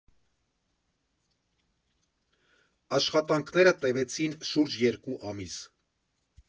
Աշխատանքները տևեցին շուրջ երկու ամիս։